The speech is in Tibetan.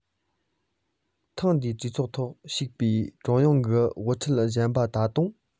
ཐེངས དེའི གྲོས ཚོགས ཐོག ཞུགས པའི ཀྲུང དབྱང གི དབུ ཁྲིད གཞན པ ད དུང